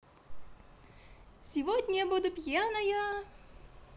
сегодня буду пьяная